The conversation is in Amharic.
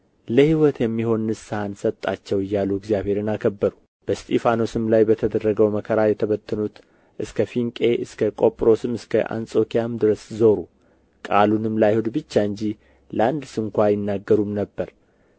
ለሕይወት የሚሆን ንስሐን ሰጣቸው እያሉ እግዚአብሔርን አከበሩ በእስጢፋኖስም ላይ በተደረገው መከራ የተበተኑት እስከ ፊንቄ እስከ ቆጵሮስም እስከ አንጾኪያም ድረስ ዞሩ ቃሉንም ለአይሁድ ብቻ እንጂ ለአንድ ስንኳ አይናገሩም ነበር